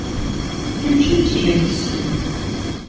включи джесси